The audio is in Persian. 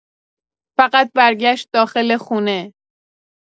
فقط برگشت داخل خونه.